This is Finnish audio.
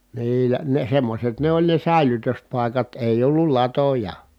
niillä ne semmoiset ne oli ne säilytyspaikat ei ollut latoja